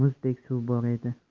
muzdek suv bor edi